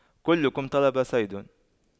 كلكم طلب صيد